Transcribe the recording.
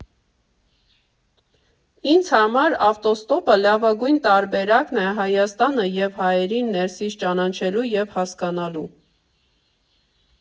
Ինձ համար ավտոստոպը լավագույն տարբերակն է Հայաստանը և հայերին ներսից ճանաչելու և հասկանալու։